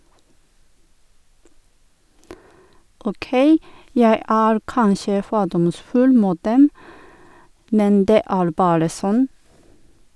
Åkei, jeg er kanskje fordomsfull mot dem, men det er bare sånn.